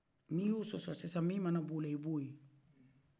n'yɔ sɔsɔ sisan mi mana bɔla i b'ɔ ye